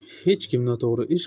hech kim noto'g'ri ish